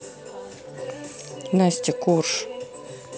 настя корж